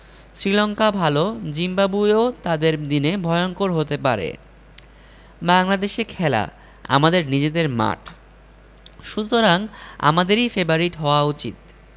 শ্রীলঙ্কা ভালো জিম্বাবুয়েও তাদের দিনে ভয়ংকর হতে পারে বাংলাদেশে খেলা আমাদের নিজেদের মাঠ সুতরাং আমাদেরই ফেবারিট হওয়া উচিত